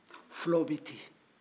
filaw bi ten